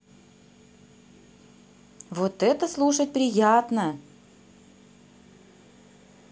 вот это слушать приятно